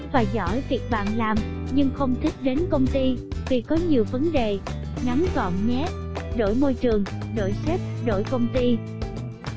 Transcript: bạn thích và giỏi việc bạn làm nhưng không thích đến công ty vì có nhiều vấn đề ngắn gọn nhé đổi môi trường đổi sếp đổi công ty